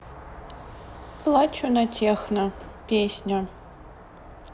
плачу на техно песня